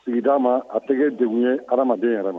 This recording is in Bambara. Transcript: Sigida ma , a tɛgɛ degun ye hadamaden yɛrɛ ma.